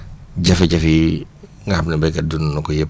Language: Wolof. jafe-jafe yi nga xam ne béykat dund na ko yëpp